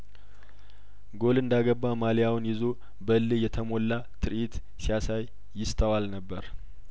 ጐል እንዳ ገባ ማሊያውን ይዞ በእልህ የተሞላ ትርኢት ሲያሳይ ይስተዋል ነበር